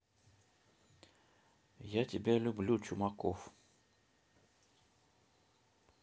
я тебя люблю чумаков